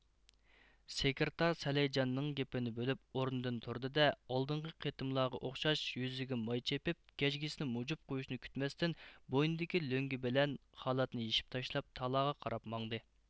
سېكىرتار سەلەيجاننىڭ گېپىنى بۆلۈپ ئورنىدىن تۇردى دە ئالدىنقى قېتىملارغا ئوخشاش يۈزىگە ماي چېپىپ گەجگىسىنى مۇجۇپ قويۇشنى كۈتمەستىن بوينىدىكى لۆڭگە بىلەن خالاتنى يېشىپ تاشلاپ تالاغا قاراپ ماڭدى